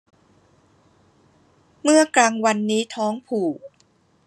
เมื่อกลางวันนี้ท้องผูก